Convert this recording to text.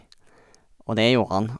Og det gjorde han.